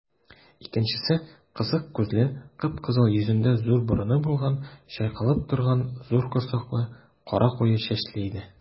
Икенчесе кысык күзле, кып-кызыл йөзендә зур борыны булган, чайкалып торган зур корсаклы, кара куе чәчле иде.